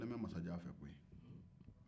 a bɔlen bɛ masajan fɛ koyi